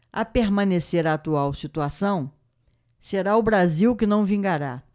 a permanecer a atual situação será o brasil que não vingará